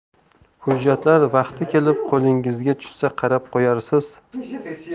hujjatlar vaqti kelib qo'lingizga tushsa qarab qo'yarsiz